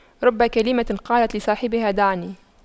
رب كلمة قالت لصاحبها دعني